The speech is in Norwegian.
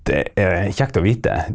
det er kjekt å vite.